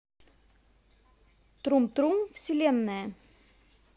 трум трум вселенная